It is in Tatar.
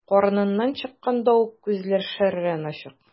Карыныннан чыкканда ук күзләр шәрран ачык.